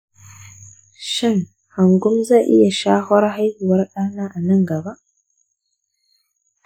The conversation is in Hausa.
shin hangum zai iya shafar haihuwar ɗana a nan gaba?